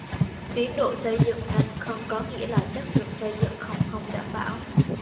tiến độ xây dựng nhanh không có nghĩa là chất lượng xây dựng không không đảm bảo